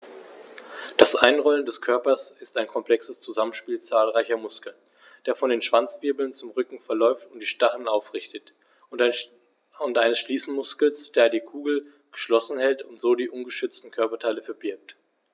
Das Einrollen des Körpers ist ein komplexes Zusammenspiel zahlreicher Muskeln, der von den Schwanzwirbeln zum Rücken verläuft und die Stacheln aufrichtet, und eines Schließmuskels, der die Kugel geschlossen hält und so die ungeschützten Körperteile verbirgt.